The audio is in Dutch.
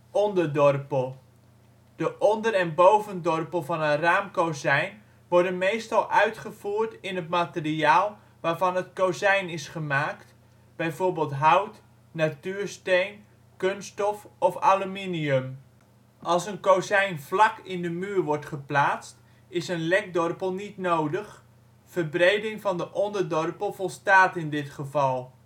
De onder - en bovendorpel van een raamkozijn worden meestal uitgevoerd in het materiaal waarvan het kozijn is gemaakt, bv hout, natuursteen, kunststof of aluminium. Als een kozijn vlak in de muur wordt geplaatst, is een lekdorpel niet nodig, verbreding van de onderdorpel volstaat in dit geval